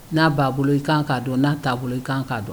N'a b'a bolo i kan k'a dɔn n'a'a bolo i kan'a dɔn